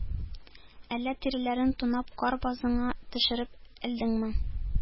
Әллә, тиреләрен тунап, кар базыңа төшереп элдеңме?